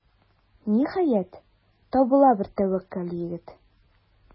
Ниһаять, табыла бер тәвәккәл егет.